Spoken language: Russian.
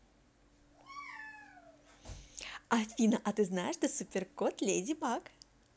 афина а ты знаешь ты супер кот леди баг